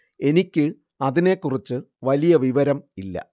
എനിക്ക് അതിനെ കുറിച്ച് വലിയ വിവരം ഇല്ല